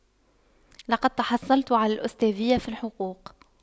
لقد تحصلت على الأستاذية في الحقوق